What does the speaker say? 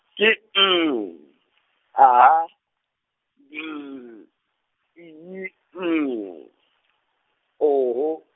ke M, A , M, E, M, O.